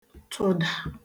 tụdà